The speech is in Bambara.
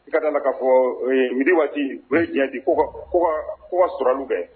I ka taa ka fɔ miiri waati u ye diɲɛdi ko sɔrɔli bɛɛ